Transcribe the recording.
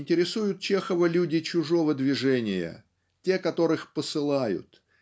интересуют Чехова люди чужого движения те которых посылают